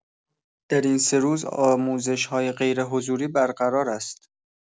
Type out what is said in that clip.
در این سه روز آموزش‌های غیرحضوری برقرار است.